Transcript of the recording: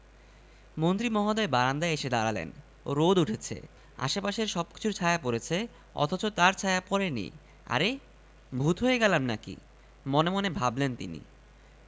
স্ত্রীর ড্রেসিং টেবিলের সামনে দাঁড়িয়ে এবার ঘাবড়ে গেলেন মন্ত্রী এই আয়নাতেও তাঁকে দেখা যাচ্ছে না স্ত্রীকে জিজ্ঞেস করলেন তোমার আয়নাটা কি নষ্ট হয়ে গেছে তাঁর স্ত্রী একমনে নিজের কাজ করতে লাগলেন